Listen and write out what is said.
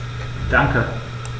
Danke.